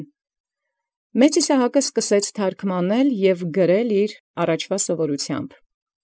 Ձեռն ի գործ արկանէր ի թարգմանել և ի գրել մեծն Իսահակ՝ ըստ յառաջագոյն սովորութեանն։